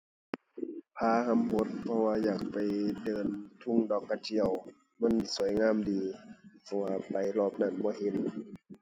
ผาหำหด เพราะว่าอยากไปเดินทุ่งดอกกระเจียว มันสวยงามดี เพราะว่าไปรอบนั้นบ่เห็น